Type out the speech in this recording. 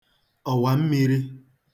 ọ̀wàmmīrī